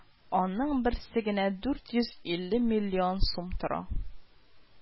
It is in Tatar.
Аның берсе генә дүрт йөз илле миллион сум тора